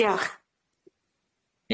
Diolch.